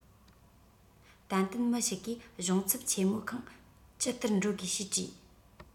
ཏན ཏན མི ཞིག གིས གཞུང ཚབ ཆེ མོ ཁང ཅི ལྟར འགྲོ དགོས ཞེས དྲིས